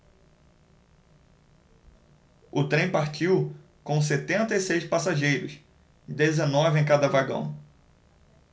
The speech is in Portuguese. o trem partiu com setenta e seis passageiros dezenove em cada vagão